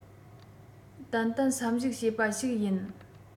ཏན ཏན བསམ གཞིགས བྱས པ ཞིག ཡིན